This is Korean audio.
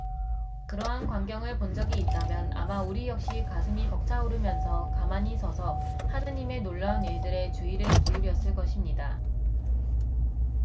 그러한 광경을 본 적이 있다면 아마 우리 역시 가슴이 벅차오르면서 가만히 서서 하느님의 놀라운 일들에 주의를 기울였을 것입니다